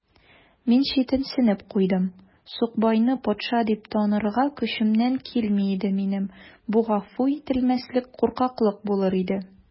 Мин читенсенеп куйдым: сукбайны патша дип танырга көчемнән килми иде минем: бу гафу ителмәслек куркаклык булыр иде.